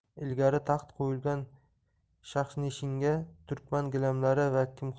ilgari taxt qo'yilgan shahnishinga turkman gilamlari